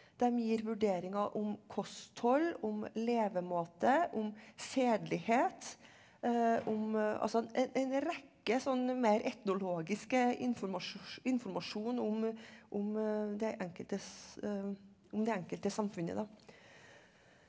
dem gir vurderinger om kosthold, om levemåte, om sedelighet, om altså en en rekke sånn mer etnologiske informasjon om om de enkeltes om det enkelte samfunnet da.